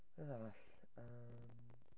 Beth arall yym.